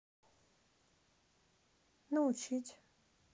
научить